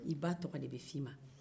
i ba tɔgɔ de bɛ fo i ma